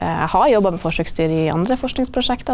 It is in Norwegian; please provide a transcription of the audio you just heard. jeg har jobba med forsøksdyr i andre forskningsprosjekter.